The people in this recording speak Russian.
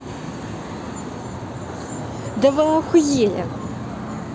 да вы охуели